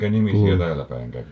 minkä nimisiä täällä päin kävi